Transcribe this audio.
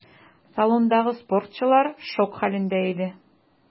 Салондагы спортчылар шок хәлендә иде.